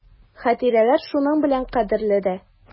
Хатирәләр шуның белән кадерле дә.